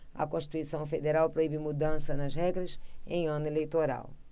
a constituição federal proíbe mudanças nas regras em ano eleitoral